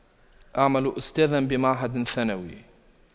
أعمل أستاذا بمعهد ثانوي